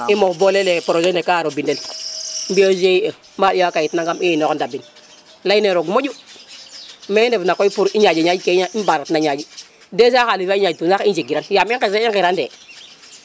i moof bo leyele projet ne ka wara mbindel biyo Gie mbaaɗ yo a kayit nangam i inoxo ndabinley ne roog moƴu me i ndef na koy pour i ñaƴa ke mbarat na ñaƴ déja xalis fa i ñaƴ tuna sax i njegiran yam i ŋese i ŋirane